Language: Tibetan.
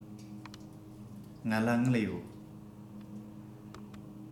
ང ལ དངུལ ཡོད